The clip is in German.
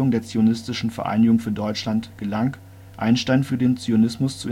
der Zionistischen Vereinigung für Deutschland, gelang, Einstein für den Zionismus